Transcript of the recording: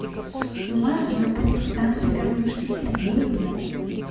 мама от александры галушки сергеевна